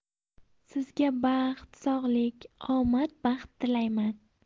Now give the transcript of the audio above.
sizga baxt sog'lik omad baxt tilayman